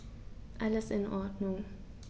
Alles in Ordnung.